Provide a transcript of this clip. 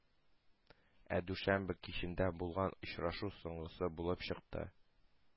Ә дүшәмбе кичендә булган очрашу соңгысы булып чыкты.